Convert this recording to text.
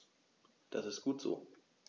Das ist gut so.